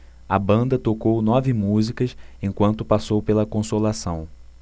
a banda tocou nove músicas enquanto passou pela consolação